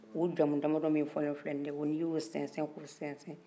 u jamu damadɔ min fɔ len filɛ n' i ye u sɛnsɛn k' u sɛnsɛn